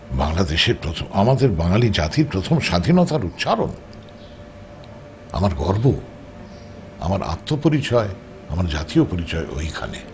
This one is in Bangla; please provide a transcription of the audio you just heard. বাংলাদেশের প্রথম আমাদের বাঙ্গালী জাতির প্রথম স্বাধীনতার উচ্চারণ আমার গর্ব আমার আত্মপরিচয় আমার জাতীয় পরিচয় ওইখানে